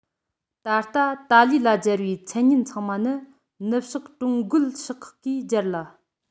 ད ལྟ ཏཱ ལའི ལ སྦྱར བའི མཚན སྙན ཚང མ ནི ནུབ ཕྱོགས ཀྲུང རྒོལ ཕྱོགས ཁག གིས སྦྱར ལ